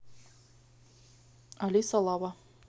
алиса лава